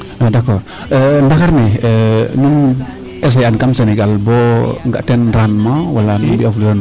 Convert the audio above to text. d' accord ndaxar nu essayer aan kam Senengal bo ga teen rendement wala nu mbiya fuliranoyo